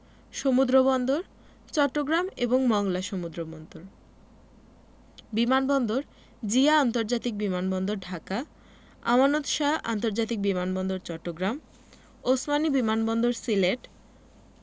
সমুদ্রবন্দরঃ চট্টগ্রাম এবং মংলা সমুদ্রবন্দর বিমান বন্দরঃ জিয়া আন্তর্জাতিক বিমান বন্দর ঢাকা আমানত শাহ্ আন্তর্জাতিক বিমান বন্দর চট্টগ্রাম ওসমানী বিমান বন্দর সিলেট